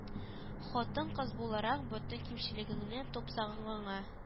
Хатын-кыз буларак бөтен кимчелегеңне тупасагыгыңны